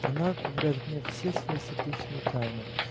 Она поверяет мне все свои сердечные тайны.